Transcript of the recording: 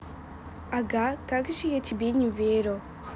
ага как же я тебе не верю